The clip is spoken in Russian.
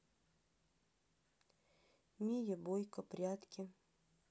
мия бойко прядки